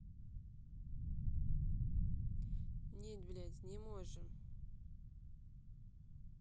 нет блядь не можем